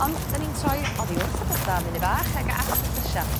Ond 'dan ni'n troi oddi wrth y bloda am funu bach ag at y llysia